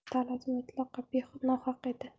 talat mutlaqo nohaq edi